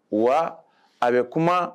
Wa a bɛ kuma